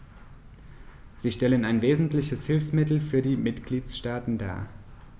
Sie stellen ein wesentliches Hilfsmittel für die Mitgliedstaaten dar.